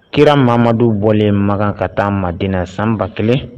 Kira mamadu bɔlen ma ka taa mad sanba kelen